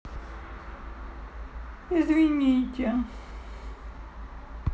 извините